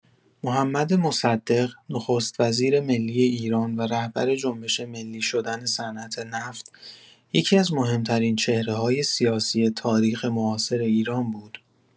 محمد مصدق، نخست‌وزیر ملی ایران و رهبر جنبش ملی شدن صنعت‌نفت، یکی‌از مهم‌ترین چهره‌های سیاسی تاریخ معاصر ایران بود.